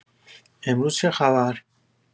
امروز چه خبر؟